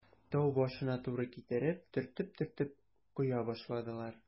Тау башына туры китереп, төртеп-төртеп коя башладылар.